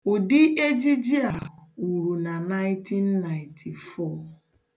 Ụdị ejiji a wuru na 1994.